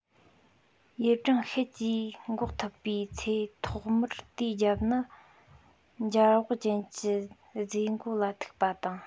ཡུལ སྦྲང ཤེད ཀྱིས གོག འགྲོ བའི ཚེ ཐོག མར དེའི རྒྱབ ནི འབྱར བག ཅན གྱི ཟེ མགོ ལ ཐུག པ དང